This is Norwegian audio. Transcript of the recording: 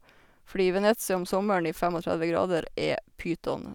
Fordi Venezia om sommeren i fem og tredve grader er pyton.